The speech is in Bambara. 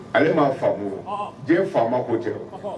Ale ma faamu diɲɛ faama ko cɛ rɔ